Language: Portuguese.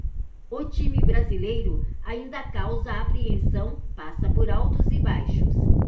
o time brasileiro ainda causa apreensão passa por altos e baixos